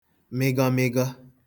mịgọmịgọ